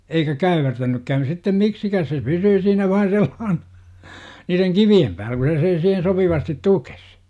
eikä käyvertänytkään sitten miksikään se pysyy siinä vain sellaisena niiden kivien päällä kun se sen siihen sopivasti tuki